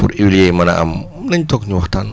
pour huiliers yi mën a am nañ toog ñu waxtaan